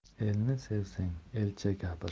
elni sevsang elcha gapir